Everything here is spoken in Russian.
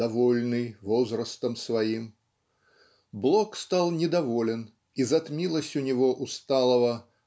довольный возрастом своим" Блок стал недоволен и затмилась у него усталого